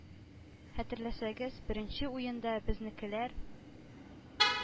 Хәтерләсәгез, беренче уенда безнекеләр